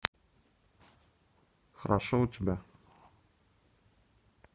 хорошо а у тебя